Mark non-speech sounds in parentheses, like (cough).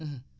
(hesitation) (hesitation)